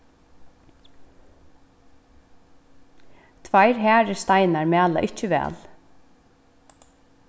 tveir harðir steinar mala ikki væl